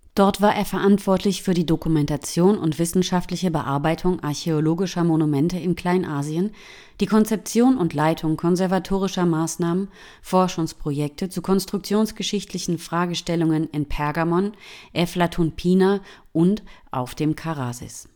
Dort war er verantwortlich für die Dokumentation und wissenschaftliche Bearbeitung archäologischer Monumente in Kleinasien, die Konzeption und Leitung konservatorischer Maßnahmen, Forschungsprojekte zu konstruktionsgeschichtlichen Fragestellungen in Pergamon, Eflatun Pınar und auf dem Karasis